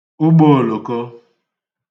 ụgbọòlòko